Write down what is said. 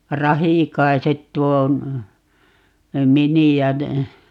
Rahikaiset tuo miniä ne